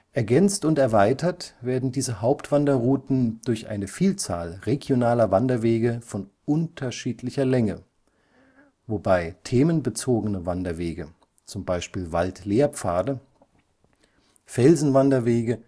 Ergänzt und erweitert werden diese Hauptwanderrouten durch eine Vielzahl regionaler Wanderwege von unterschiedlicher Länge (Ziel - und Rundwanderwege), wobei themenbezogene Wanderwege (z. B. Waldlehrpfade), Felsenwanderwege